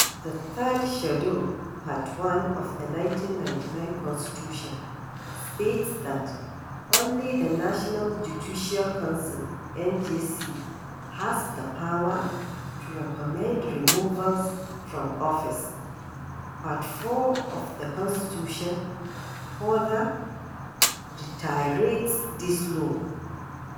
The Third Schedule, Part 1 of the 1999 Constitution states that only the National Judicial Council (NJC) has the power to recommend removals from office. Part IV of the Constitution further reiterates this law.